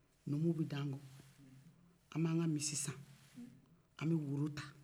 numuw bɛ da anw ko an ban ka misi san an bɛ woro ta